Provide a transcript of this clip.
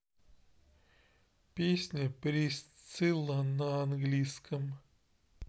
песня присцилла на английском